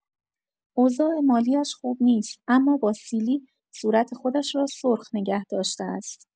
اوضاع مالی‌اش خوب نیست، اما با سیلی صورت خودش را سرخ نگه داشته است.